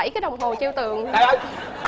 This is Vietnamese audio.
bảy cái đồng hồ treo tường á